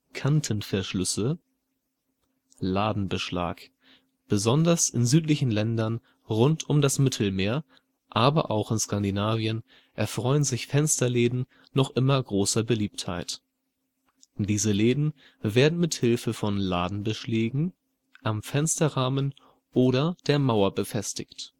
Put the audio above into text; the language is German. Kantenverschlüsse Ladenbeschlag: Besonders in südlichen Ländern rund um das Mittelmeer, aber auch in Skandinavien erfreuen sich Fensterläden noch immer großer Beliebtheit. Diese Läden werden mit Hilfe von Ladenbeschlägen am Fensterrahmen oder der Mauer befestigt